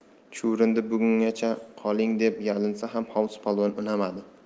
chuvrindi buguncha qoling deb yalinsa ham hovuz polvon unamadi